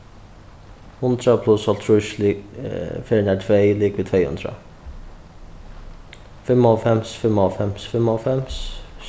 hundrað pluss hálvtrýss ferðirnar tvey ligvið tvey hundrað fimmoghálvfems fimmoghálvfems fimmoghálvfems